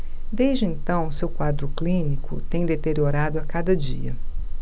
desde então seu quadro clínico tem deteriorado a cada dia